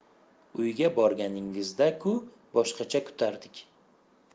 uyga borganingizda ku boshqacha kutardik